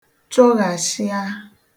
chụghashịa